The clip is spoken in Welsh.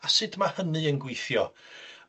A sut ma' hynny yn gweithio?